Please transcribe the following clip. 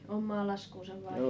omaan laskuunsa vai